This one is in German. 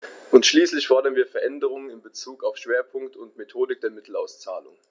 Und schließlich fordern wir Veränderungen in bezug auf Schwerpunkt und Methodik der Mittelauszahlung.